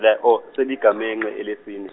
l- o- seligamenxe elesine.